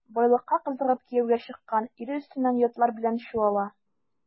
Байлыкка кызыгып кияүгә чыккан, ире өстеннән ятлар белән чуала.